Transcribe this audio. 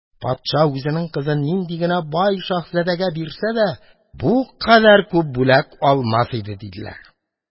Патша үзенең кызын нинди генә бай шәһзадәгә бирсә дә, бу кадәр күп бүләк алмас иде! – диделәр.